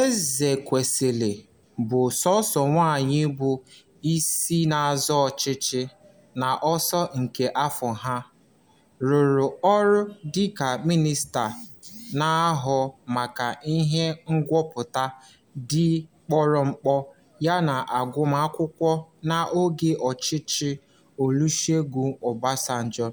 Ezekwesili, bụ sọọsọ nwaanyị bụ isi na-azọ ọchịchị n'ọsọ nke afọ a, rụrụ ọrụ dịka mịnịsta na-ahụ maka ihe ngwupụta dị kpụrụkpụ yana agụmakwụkwọ n'oge ọchịchị Olusegun Obasanjo